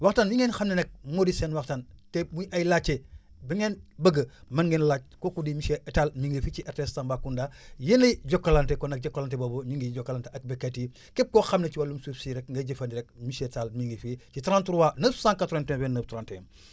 waxtaan bi ngeen xam ne nag moo di seen waxtaan te muy ay laajte bu ngeen bëgg mën ngeen laaj kooku di monsieur Tall mi ngi fi ci RTS Tambacounda yéen lay jokkalante kon nag Jokalante boobu mi ngi jokkalante ak baykat yi képp koo xam ne ci wàllum suuf si rek ngay jëfandikoo rek monsiuer Tall mu ngi fii ci 33 981 29 31